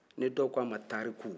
ni dɔw k'a ma tariku